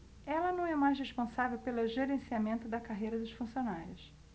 ela não é mais responsável pelo gerenciamento da carreira dos funcionários